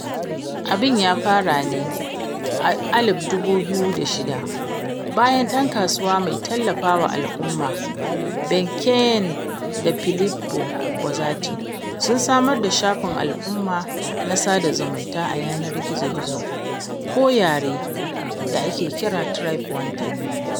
Abun ya fara ne a 2006 bayan ɗan kasuwa mai tallafa wa al'umma, Ben Kkeene da Filippo Bozotti sun samar da shafin al'umma na sada zumunta a yanar gizo gozo ko 'yare' da ake kira 'TribeWanted'.